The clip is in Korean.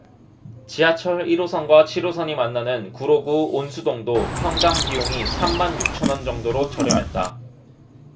지하철 일 호선과 칠 호선이 만나는 구로구 온수동도 평당 비용이 삼 만 육천 원 정도로 저렴했다